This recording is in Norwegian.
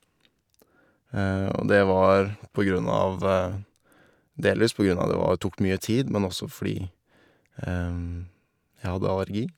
Og det var på grunn av delvis på grunn av det var tok mye tid, men også fordi jeg hadde allergi.